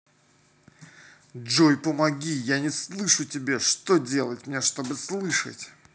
джой помоги я не слышу тебя что сделать мне чтобы слышать